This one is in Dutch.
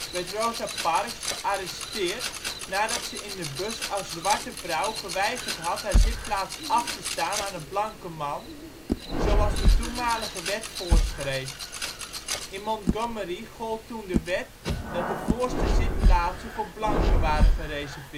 werd Rosa Parks gearresteerd nadat ze in de bus als zwarte vrouw geweigerd had haar zitplaats af te staan aan een blanke man, zoals de toenmalige wet voorschreef. In Montgomery gold toen de wet dat de voorste zitplaatsen voor blanken waren gereserveerd. Bij